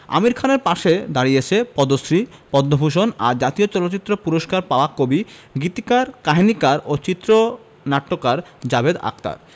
আমির খানের পাশে দাঁড়িয়েছেন পদ্মশ্রী পদ্মভূষণ আর জাতীয় চলচ্চিত্র পুরস্কার পাওয়া কবি গীতিকার কাহিনিকার ও চিত্রনাট্যকার জাভেদ আখতার